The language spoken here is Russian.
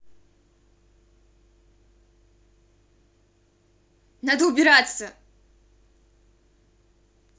надо убраться